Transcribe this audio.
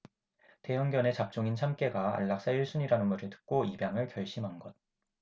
대형견에 잡종인 참깨가 안락사 일 순위라는 말을 듣고 입양을 결심한 것